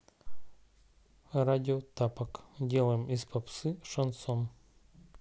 радио тапок делаем из попсы шансон